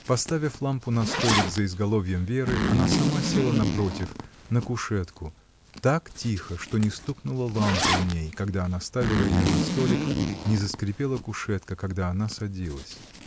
Поставив лампу на столик, за изголовьем Веры, она сама села напротив, на кушетку, так тихо, что не стукнула лампа у ней, когда она ставила ее на столик, не заскрипела кушетка, когда она садилась.